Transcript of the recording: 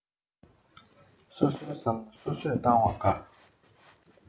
སོ སོའི བསམ བློ སོ སོས བཏང བ དགའ